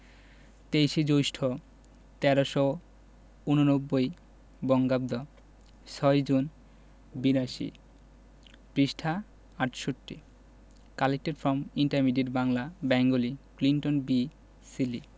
২৩ জ্যৈষ্ঠ ১৩৮৯ বঙ্গাব্দ/৬ জুন৮২ পৃষ্ঠাঃ ৬৮ collected from intermediate Bangla Bengali Clinton B Seely